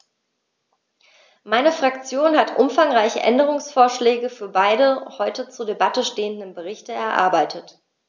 Meine Fraktion hat umfangreiche Änderungsvorschläge für beide heute zur Debatte stehenden Berichte erarbeitet.